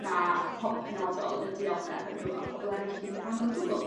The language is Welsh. ma' pobol penodol yn diodde efo n'w a pobol eryll dim yn ca'l n'w o gwbwl.